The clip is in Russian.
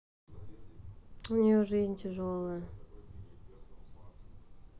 у нее жизнь тяжелая